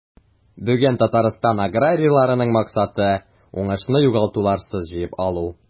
Бүген Татарстан аграрийларының максаты – уңышны югалтуларсыз җыеп алу.